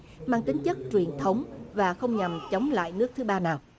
mang tính chất truyền thống và không nhằm chống lại nước thứ ba nào